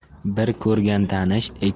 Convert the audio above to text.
bir ko'rgan tanish ikki